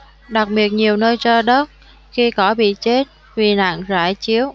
đặc biệt nhiều nơi trơ đất khi cỏ bị chết vì nạn rải chiếu